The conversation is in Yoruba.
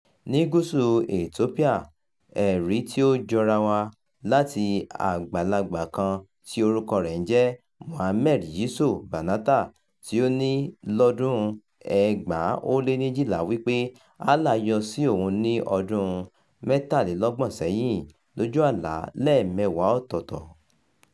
Ní gúúsù Ethiopia, ẹ̀rí tí ó jọra á wá láti àgbàlagbà kan tí orúkọ rẹ̀ ń jẹ́ Mohammed Yiso Banatah, tí ó ní lọ́dún-un 2012 wípé Allah yọ sí òun ní ọdún 33 sẹ́yìn lójú àlá lẹ́ẹ̀mẹwàá ọ̀tọ̀ọ̀tọ̀.